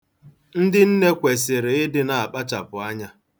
Ndị nne kwesịrị ịdị na-akpachapụ anya.